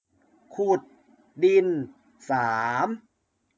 ขุดดินสาม